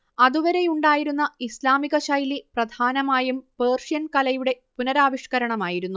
അതുവരെയുണ്ടായിരുന്ന ഇസ്ലാമികശൈലി പ്രധാനമായും പേർഷ്യൻ കലയുടെ പുനരാവിഷ്കരണമായിരുന്നു